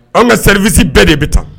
Anw ka serivices bɛɛ de bɛ taa